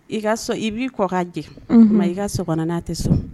I ka so i b'i kɔ ka jɛ ma i ka sog'a tɛ sɔn